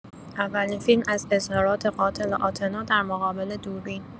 اولین فیلم از اظهارات قاتل آتنا در مقابل دوربین